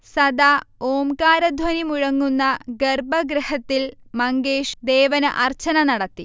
സദാ ഓംകാരധ്വനി മുഴങ്ങുന്ന ഗർഭഗൃഹത്തിൽ മങ്കേഷ് ദേവന് അർച്ചന നടത്തി